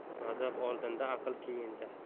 g'azab oldinda aql keyinda